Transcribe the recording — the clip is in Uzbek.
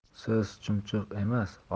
so'z chumchuq emas